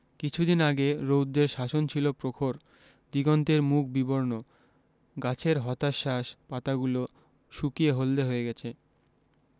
কিছুদিন আগে রৌদ্রের শাসন ছিল প্রখর দিগন্তের মুখ বিবর্ণ গাছের হতাশ্বাস পাতাগুলো শুকিয়ে হলদে হয়ে গেছে